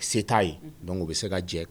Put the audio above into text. Se t'a ye dɔn o u bɛ se ka jɛ